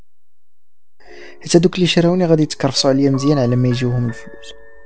تصدقي شلونك زينه لما يجيهم الفلوس